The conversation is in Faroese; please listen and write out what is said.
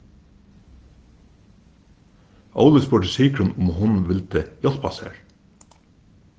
óli spurdi sigrun um hon vildi hjálpa sær